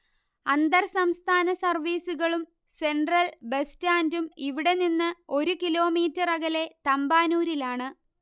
അന്തർസംസ്ഥാന സർവീസുകളും central bus സ്റ്റാൻഡും ഇവിടെനിന്ന് ഒരു കിലോമീറ്റർ അകലെ തമ്പാനൂരിലാണ്